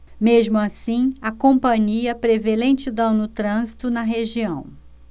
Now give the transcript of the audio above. mesmo assim a companhia prevê lentidão no trânsito na região